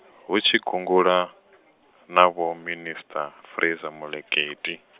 hu tshi gungula, na Vhominista, Fraser-Moleketi.